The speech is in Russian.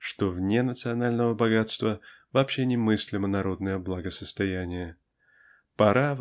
что вне национального богатства вообще немыслимо народное благосостояние. Пора